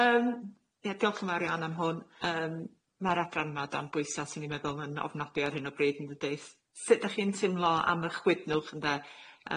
Yym ie diolch yn fawr iawn am hwn, yym ma'r adran yma dan bwysa sy'n i'n meddwl yn ofnodwy ar hyn o bryd yn dde, s- sut dach chi'n teimlo am y chwydnwch ynde?